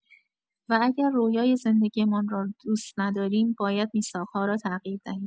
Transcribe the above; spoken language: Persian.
و اگر رویای زندگی‌مان را دوست نداریم، باید میثاق‌ها را تغییر دهیم.